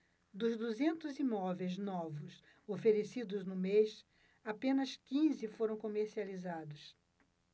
dos duzentos imóveis novos oferecidos no mês apenas quinze foram comercializados